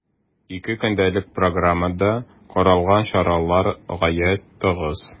Ике көнлек программада каралган чаралар гаять тыгыз.